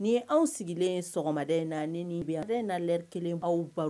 Ni anw sigilen sɔgɔmaden in na ni ni bɛ an bɛɛ n na la kelen baw baw